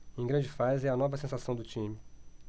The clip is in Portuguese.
em grande fase é a nova sensação do time